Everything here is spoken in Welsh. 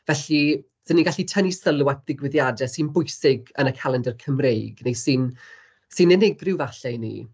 Felly dan ni'n gallu tynnu sylw at ddigwyddiade sy'n bwysig yn y calendr Cymreig, neu sy'n sy'n unigryw falle i ni.